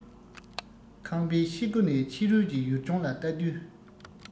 ཁང པའི ཤེལ སྒོ ནས ཕྱི རོལ གྱི ཡུལ ལྗོངས ལ བལྟ དུས